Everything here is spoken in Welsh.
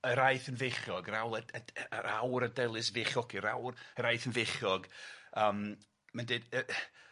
yr aeth yn feichiog yr awl y- y- yr awr a delis fechiogi yr awr yr aeth yn feichiog yym mae'n deud yy